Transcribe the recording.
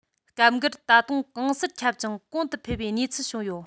སྐབས འགར ད དུང གང སར ཁྱབ ཅིང གོང དུ འཕེལ བའི གནས ཚུལ བྱུང ཡོད